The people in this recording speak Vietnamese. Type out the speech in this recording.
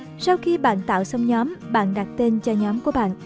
sau khi bạn tạo xong nhóm bạn đặt tên cho nhóm của bạn